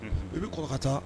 I bi kɔrɔ ka taa